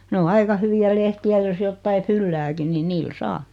ne on aika hyviä lehtiä jos jotakin fyllääkin niin niillä saa